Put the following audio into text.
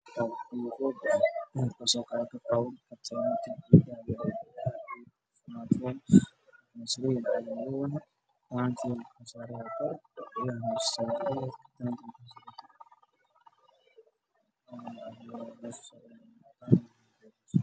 Meshan waxaa ka muuqda katiin dahab ah